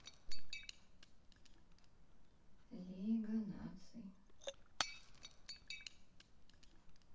лига наций